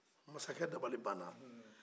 masakɛ dabali bana